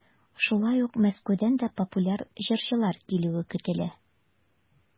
Шулай ук Мәскәүдән дә популяр җырчылар килүе көтелә.